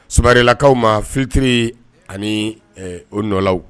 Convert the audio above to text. Sorilakaw ma fitiri ani o n nɔlaw